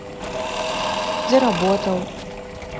заработал